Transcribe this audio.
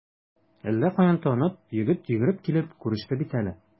Әллә каян танып, егет йөгереп килеп күреште бит әле.